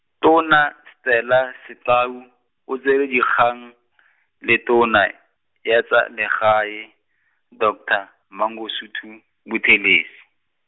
Tona Stella Sigcau, o tsere dikgang , le tona, ya tsa legae, doctor Mangosuthu Buthelezi.